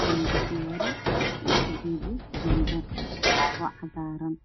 geedo fiyoore iyo geedo qumbe oo cagaaran.